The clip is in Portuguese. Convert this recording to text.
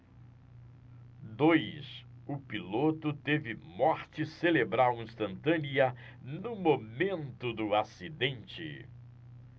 dois o piloto teve morte cerebral instantânea no momento do acidente